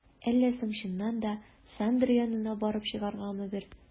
Әллә соң чыннан да, Сандра янына барып чыгаргамы бер?